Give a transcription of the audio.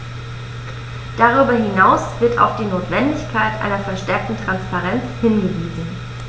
Darüber hinaus wird auf die Notwendigkeit einer verstärkten Transparenz hingewiesen.